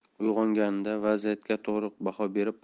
uyg'onganida vaziyatga to'g'ri baho berib